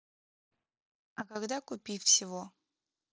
а когда купи всего